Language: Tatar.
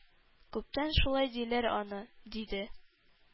-күптән шулай диләр аны,- диде.